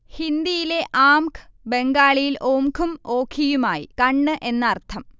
ഹിന്ദിയിലെ ആംഖ് ബംഗാളിയിൽ ഓംഖും ഓഖിയുമായി കണ്ണ് എന്ന്അർത്ഥം